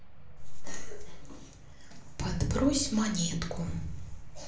подбрось монетку